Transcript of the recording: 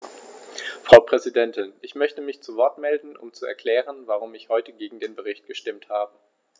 Frau Präsidentin, ich möchte mich zu Wort melden, um zu erklären, warum ich heute gegen den Bericht gestimmt habe.